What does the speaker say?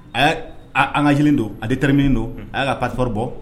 A an kaj don a tɛ terir mini don a y'a ka paforo bɔ